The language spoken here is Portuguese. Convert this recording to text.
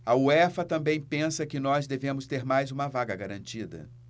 a uefa também pensa que nós devemos ter mais uma vaga garantida